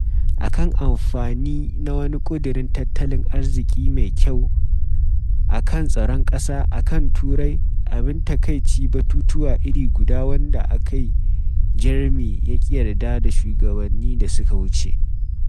A kan amfani na wani ƙudurin tattalin arzikin mai kyau, a kan tsaron ƙasa, a kan Turai, abin takaici batutuwa iri guda wanda a kai Jeremy ya ƙi yarda da shugabanni da suka wuce.